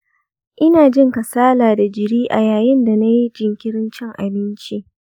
ina jin kasala da jiri a yayin da nayi jinkirin cin abinci.